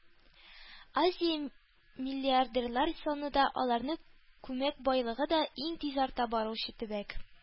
Азия – миллиардерлар саны да, аларның күмәк байлыгы да иң тиз арта баручы төбәк.